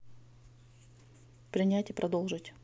принять и продолжить